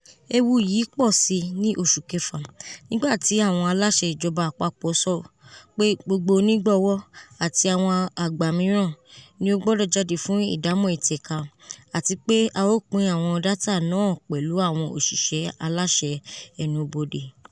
Ewu yii pọsi ni oṣu kẹfa, nigba ti awọn alaṣẹ ijọba apapọ sọ pe gbogbo onigbọwọ ati awọn agba miiran ni o gbọdọ jade fun idamọ itẹka, ati pe a o pin awọn data naapẹlu awọn oṣiṣẹ alaṣẹ ẹnubode.